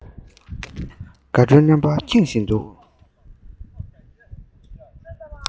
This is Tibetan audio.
དགའ སྤྲོའི རྣམ པས ཁེངས བཞིན འདུག